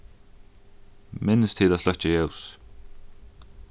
minnist til at sløkkja ljósið